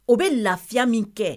O bɛ lafiya min kɛ